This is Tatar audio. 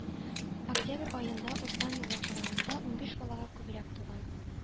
Октябрь аенда узган елга караганда унбиш балага күбрәк туган.